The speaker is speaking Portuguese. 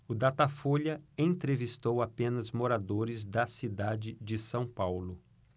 o datafolha entrevistou apenas moradores da cidade de são paulo